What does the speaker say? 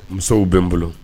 Musow bɛ n bolo